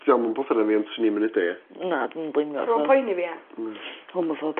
'Di a'm yn botheran fi on' swn i'm yn neud e. Na dim yn blamio ti. So Ddim yn poeni fi ia? Na. Homophobe.